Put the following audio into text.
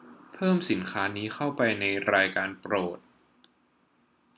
เพิ่มสินค้านี้เข้าไปในรายการโปรด